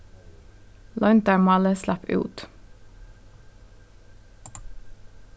loyndarmálið slapp út